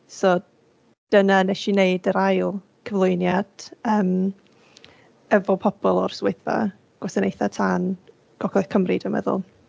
so dyna wnes i wneud yr ail cyflwyniad yym efo pobl o'r swyddfa Gwasanaethau Tân Gogledd Cymru dwi'n meddwl.